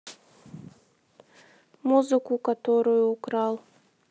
музыку которую украл